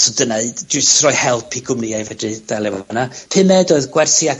so dyna i... Jys roi help i gwmniau fedru delio 'fo hwnna. Pumed oedd gwersi ac